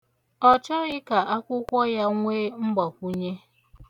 Ọ chọghị ka akwụkwọ ya nwe mgbakwụnye.